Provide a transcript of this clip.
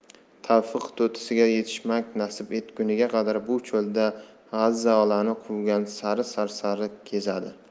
tavfiq to'tisiga yetishmak nasib etguniga qadar bu cho'lda g'azzolani quvgan sari sarsari kezadi